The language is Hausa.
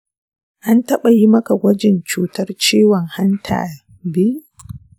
an taɓa yi maka gwajin cutar ciwon hanta b?